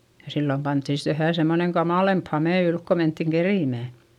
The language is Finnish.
ja silloin pantiin sitten vähän semmoinen kamalampi hame ylle kun mentiin keritsemään